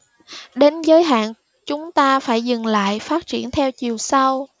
đến giới hạn chúng ta phải dừng lại phát triển theo chiều sâu